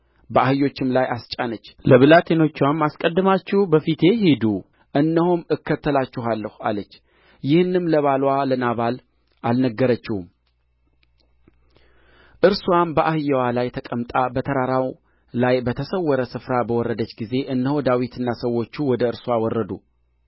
በአህዮችም ላይ አስጫነች ለብላቴኖችዋም አስቀድማችሁ በፊቴ ሂዱ እነሆም እከተላችኋለሁ አለች ይህንም ለባልዋ ለናባል አልነገረችውም እርስዋም በአህያው ላይ ተቀምጣ በተራራው ላይ በተሰወረ ስፍራ በወረደች ጊዜ እነሆ ዳዊትና ሰዎቹ ወደ እርስዋ ወረዱ